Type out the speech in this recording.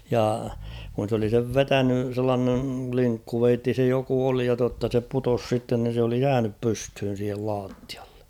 ja kun se oli sen vetänyt sellainen linkkuveitsi se joku oli ja totta se putosi sitten niin se oli jäänyt pystyyn siihen lattialle -